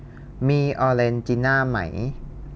มีออเรนจิน่าไหม